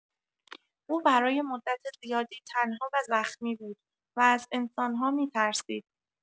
او برای مدت زیادی تنها و زخمی بود و از انسان‌ها می‌ترسید.